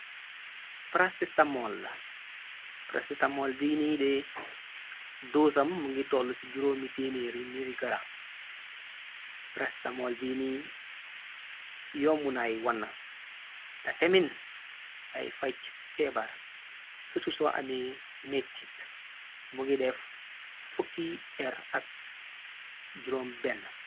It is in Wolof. Pracistamol bini de doosam mu ngi toll ci juróomitmer mr gram. Pracistamol bini yoomunaay wànn te temin day faj feebar. Sutuso amee mettit mu ngi def fukki per ak juróo b.